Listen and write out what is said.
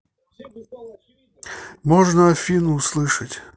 можно афину услышать